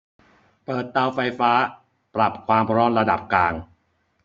เปิดเตาไฟฟ้าปรับความร้อนระดับกลาง